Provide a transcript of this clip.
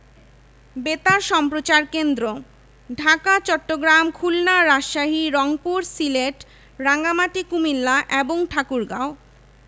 কিশোরগঞ্জ জেলার ভৈরব ও ব্রাহ্মণবাড়িয়া জেলার আশুগঞ্জ উপজেলায় মেঘনা নদীর উপর বাংলাদেশ যুক্তরাজ্য মৈত্রী সেতু মানিকগঞ্জ জেলার ঘিওর উপজেলায় ধলেশ্বরী নদীর উপর ত্বরা সেতু